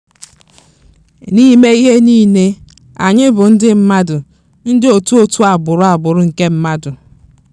N'ime ihe niile, anyị bụ ndị mmadụ, ndị òtù ótù agbụrụ, agbụrụ nke mmadụ.